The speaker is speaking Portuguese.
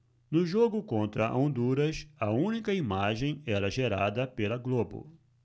no jogo contra honduras a única imagem era gerada pela globo